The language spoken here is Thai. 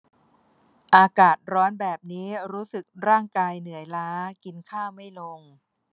อากาศร้อนแบบนี้รู้สึกร่างกายเหนื่อยล้ากินข้าวไม่ลง